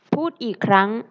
พูดอีกครั้ง